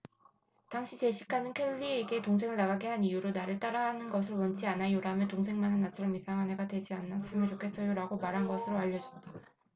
당시 제시카는 켈리에게 동생을 나가게 한 이유로 나를 따라 하는 걸 원치 않아요라며 동생만은 나처럼 이상한 애가 되지 않았으면 좋겠어요라고 말한 것으로 알려졌다